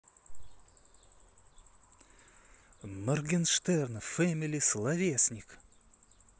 morgenshtern family словесник